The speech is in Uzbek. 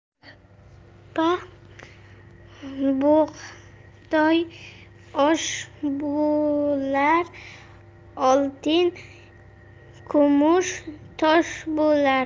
arpa bug'doy osh bo'lar oltin kumush tosh bo'lar